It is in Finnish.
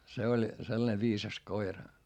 se oli sellainen viisas koira